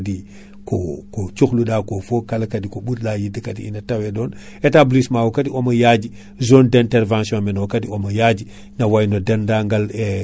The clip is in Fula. eyyi aɗa andi e nder wertago Fouta sen qiminoma tan ko ko ilata ko ina wonayno ina wonanno hedde 200MILLES hectares